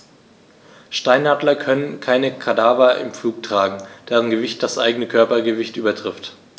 Steinadler können keine Kadaver im Flug tragen, deren Gewicht das eigene Körpergewicht übertrifft.